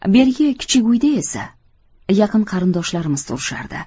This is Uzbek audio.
berigi kichik uyda esa yaqin qarindoshlarimiz turishardi